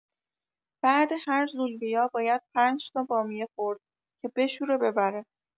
بعد هر زولبیا باید ۵ تا بامیه خورد که بشوره ببره